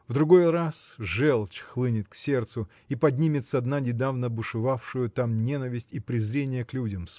В другой раз желчь хлынет к сердцу и поднимет со дна недавно бушевавшую там ненависть и презрение к людям